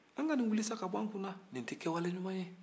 an ka nin wuli sa ka bɔ an kunna nin tɛ kɛwale ɲuman ye